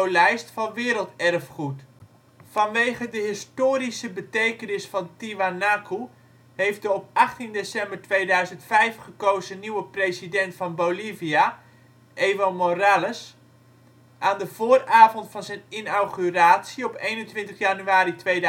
Lijst van Werelderfgoed. Vanwege de historische betekenis van Tiwanaku heeft de op 18 december 2005 gekozen nieuwe president van Bolivia Evo Morales, aan de vooravond van zijn inauguratie op 21 januari 2006